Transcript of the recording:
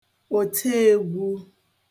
òte egwu